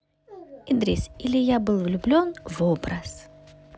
idris или я был влюблен в образ